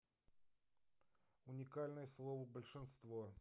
уникальное слово большинство